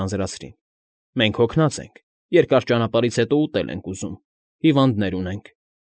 Ձանձրացրին։֊ Մենք հոգնած ենք, երկար ճանապարհից հետո ուտել ենք ուզում, հիվանդներ ունենք։